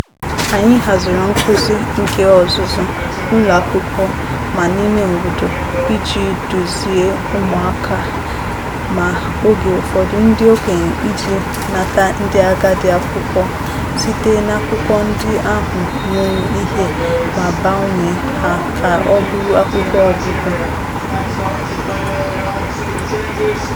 Anyị haziri nkuzi nke ọzụzụ n'ụlọakwụkwọ ma n'ime obodo iji duzie ụmụaka, ma oge ụfọdụ ndị okenye, iji nata ndị agadi akụkọ, site n'akụkọ ndị ahụ murụ ihe, ma gbanwee ha ka ọ bụrụ akwụkwọ ogụgụ.